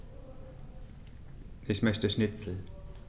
Ich möchte Schnitzel.